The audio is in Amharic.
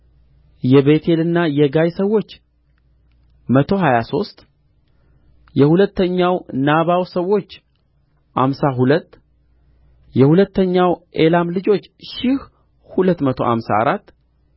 የቤቴልና የጋይ ሰዎች መቶ ሀያ ሦስት የሁለተኛው ናባው ሰዎች አምሳ ሁለት የሁለተኛው ኤላም ልጆች ሺህ ሁለት መቶ አምሳ አራት